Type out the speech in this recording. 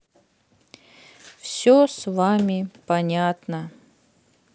все с вами понятно